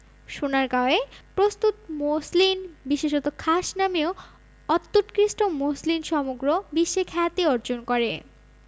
সোনারগাঁয়ে প্রস্তুত মসলিন বিশেষত খাস নামীয় অত্যুৎকৃষ্ট মসলিন সমগ্র বিশ্বে খ্যাতি অর্জন করে